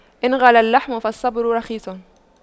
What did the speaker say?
إن غلا اللحم فالصبر رخيص